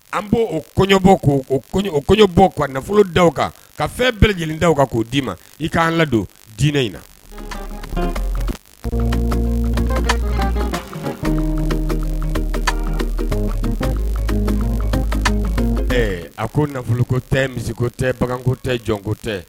An' oo kobɔ k o kɔɲɔbɔ ka nafolo da kan ka fɛn bɛɛ lajɛlen da kan k'o d'i ma i k'an ladon diinɛ in na a ko nafoloko tɛ misiko tɛ baganko tɛ jɔnko tɛ